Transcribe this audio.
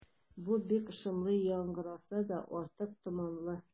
Бу бик шомлы яңгыраса да, артык томанлы.